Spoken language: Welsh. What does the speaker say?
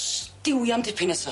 Sdiwio am dipyn nesa.